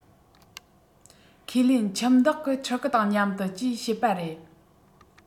ཁས ལེན ཁྱིམ བདག གི ཕྲུ གུ དང མཉམ དུ ཅེས བཤད པ རེད